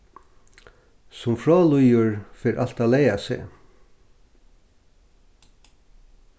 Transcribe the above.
sum frá líður fer alt at laga seg